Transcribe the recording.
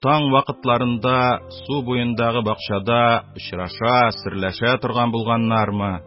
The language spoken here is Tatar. Таң вакытларында су буендагы бакчада очраша, серләшә торган булганнармы